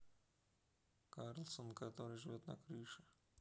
карлсон который живет на крыше